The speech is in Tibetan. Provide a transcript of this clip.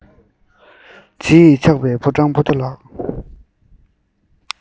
བརྗིད ཆགས པའི ཕོ བྲང པོ ཏ ལགས